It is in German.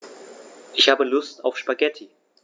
Ich habe Lust auf Spaghetti.